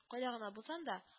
Кайда гына булсам да